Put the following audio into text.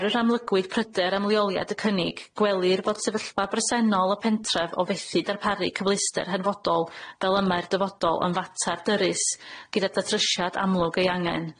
Er yr amlygwyd pryder am leoliad y cynnig gwelir fod sefyllfa bresennol y pentref o fethu darparu cyfleuster hanfodol fel yma i'r dyfodol yn fatar dyrys gyda datrysiad amlwg ei angen.